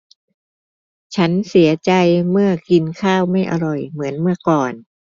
ฉันเสียใจเมื่อกินข้าวไม่อร่อยเหมือนเมื่อก่อน